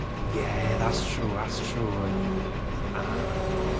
Yeah, that’s true, that’s true. Ah.